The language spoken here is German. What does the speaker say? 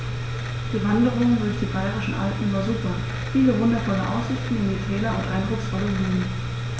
Die Wanderungen durch die Bayerischen Alpen waren super. Viele wundervolle Aussichten in die Täler und eindrucksvolle Blumen.